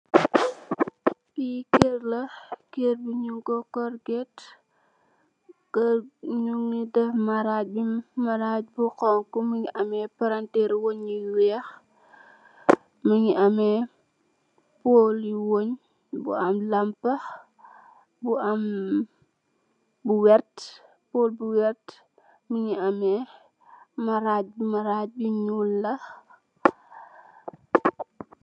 Fee kerr la kerr be nugku corget nuge def marage be marage bu xonxo muge ameh planterr weah yu weex muge ameh pole le weah bu am lampa bu am bu werte pole bu werte muge ameh marage bu marage yu nuul la.